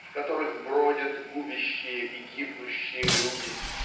в которых бродят губящие и гибнущие люди